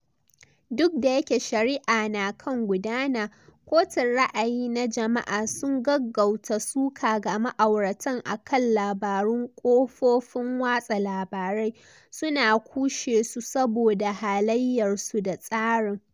Duk da yake shari'a na kan gudana, kotun ra'ayi na jama'a sun gaggauta suka ga ma'auratan a kan labarun kafofin watsa labarai, su na kushe su saboda halayyarsu da tsarin.